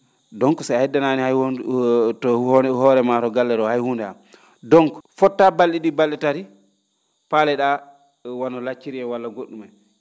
donc so a heddanaani hay huunde hoore maa to galle roo hay huunnde han donc fottaa bal?e ?i?i bal?e tari paale?aa wano lacciri walla go??um en